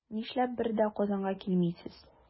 Нишләп бер дә Казанга килмисез?